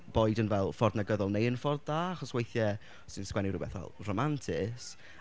Boed yn fel ffordd negyddol neu yn ffordd da. Achos weithiau os ti'n sgwennu rhywbeth fel rhamantus...